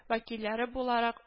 Вәкилләре буларак